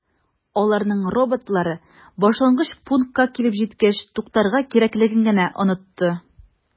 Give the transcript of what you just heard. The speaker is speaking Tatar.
Аларның роботлары башлангыч пунктка килеп җиткәч туктарга кирәклеген генә “онытты”.